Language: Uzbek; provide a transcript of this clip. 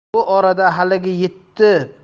bu orada haligi yetti